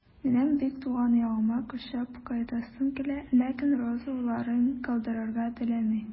Минем бик туган ягыма күчеп кайтасым килә, ләкин Роза улларын калдырырга теләми.